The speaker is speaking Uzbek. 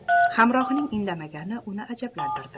hamrohining indamagani uni ajablantirdi